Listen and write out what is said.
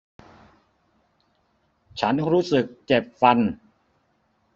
ฉันรู้สึกเจ็บฟัน